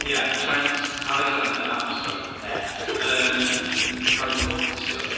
Ia, Trent Alexander Armstrong... Ia . ...yn cael ei hontio.